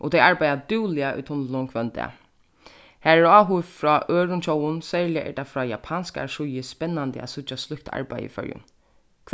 og tey arbeiða dúgliga í tunlinum hvønn dag har er áhugi frá øðrum tjóðum serliga er tað frá japanskari síðu spennandi at síggja slíkt arbeiði í føroyum